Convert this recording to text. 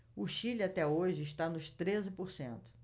o chile até hoje está nos treze por cento